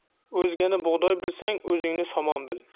o'zgani bug'doy bilsang o'zingni somon bil